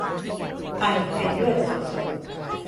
ไอเป็นเลือดสดสด